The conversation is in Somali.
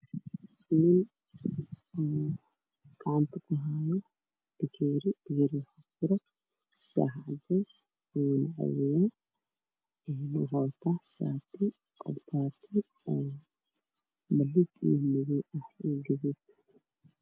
Nin oo meel fadhiyo wuxuu gacanta ku hayaa bakery ku jiro shaah caddeys ah